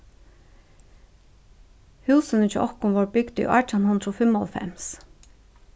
húsini hjá okkum vórðu bygd í átjan hundrað og fimmoghálvfems